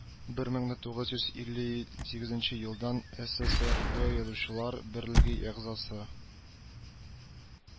Бер мең дә тугыз йөз илле сигезенче елдан эсэсэрбэ язучылар берлеге әгъзасы